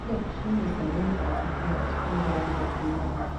Flake shi ne sananne a tsakiya a cikin diramar Juma’ar.